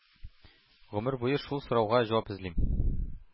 Гомер буе шул сорауга җавап эзлим.